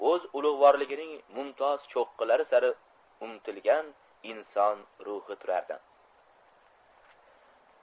o'z ulug'vorligining mumtoz cho'qqilari sari urntilgan inson ruhi turardi